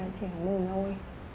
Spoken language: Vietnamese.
mồm thôi